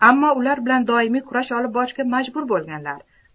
ammo ular bilan doimiy kurash olib borishga majbur bo'lganlar